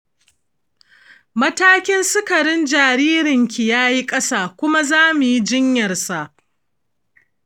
matakin sikarin jaririnki ya yi ƙasa kuma za mu yi jinyarsa